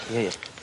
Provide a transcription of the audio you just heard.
Ie ie.